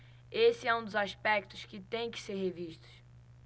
esse é um dos aspectos que têm que ser revistos